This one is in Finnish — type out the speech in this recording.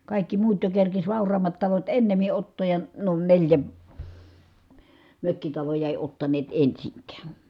kaikki muut jo kerkesi vauraammat talot ennemmin ottaa ja nuo neljä mökkitaloa ei ottaneet ensinkään